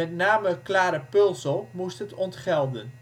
name Klara Pölzl moest het ontgelden